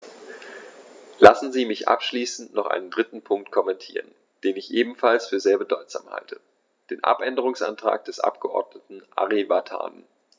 Lassen Sie mich abschließend noch einen dritten Punkt kommentieren, den ich ebenfalls für sehr bedeutsam halte: den Abänderungsantrag des Abgeordneten Ari Vatanen.